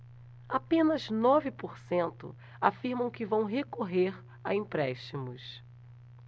apenas nove por cento afirmam que vão recorrer a empréstimos